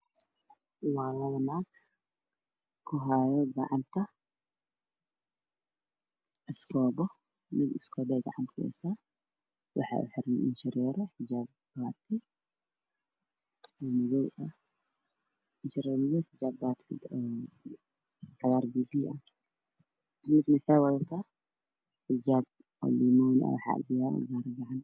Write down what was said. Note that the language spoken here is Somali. Waxa ii muuqda labo maamuxa wadataa gaarigacan mamada kalana iskubo mamadu is goobaha wadato shareer iyo tijaab madow ah mamada kalana xijaab cagaar ah